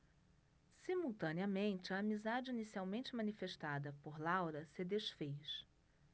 simultaneamente a amizade inicialmente manifestada por laura se disfez